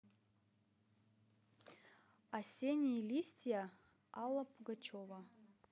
осенние листья алла пугачева